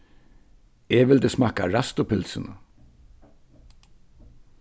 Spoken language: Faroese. eg vildi smakka ræstu pylsuna